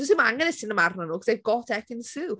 Does dim angen y sinema arnyn nhw 'cause they've got Ekin-Su.